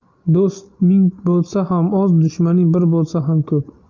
do'st ming bo'lsa ham oz dushman bir bo'lsa ham ko'p